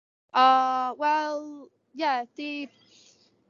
O wel ie di